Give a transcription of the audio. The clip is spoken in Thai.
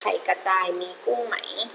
ไข่กระจายมีกุ้งไหม